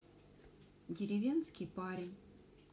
деревенский парень